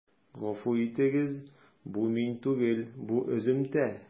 Гафу итегез, бу мин түгел, бу өземтә.